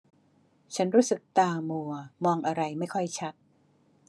ฉันรู้สึกตามัวมองอะไรไม่ค่อยชัด